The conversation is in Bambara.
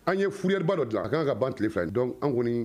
An ye fourrière ba dɔ dilan a kan ka ban tile fila in na donc an kɔni